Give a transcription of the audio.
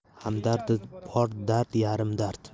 hamdardi bor dard yarim dard